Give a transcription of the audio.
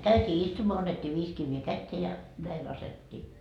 käytiin istumaan annettiin viisi kiveä käteen ja näin laskettiin